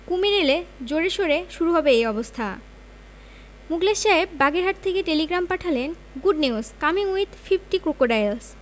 কুমীর এলে জোরে সোরে শুরু হবে এই অবস্থা মুখলেস সাহেব বাগেরহাট থেকে টেলিগ্রাম পাঠালেন good news. Coming with fifty crocodiles